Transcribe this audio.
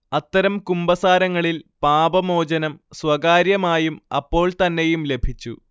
അത്തരം കുമ്പസാരങ്ങളിൽ പാപമോചനം സ്വകാര്യമായും അപ്പോൾത്തന്നെയും ലഭിച്ചു